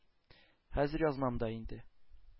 Хәзер язмам да инде.